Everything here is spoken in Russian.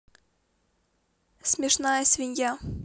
смешная свинья